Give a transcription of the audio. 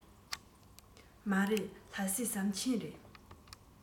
མ རེད ལྷ སའི ཟམ ཆེན རེད